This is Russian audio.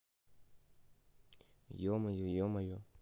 е мое е мое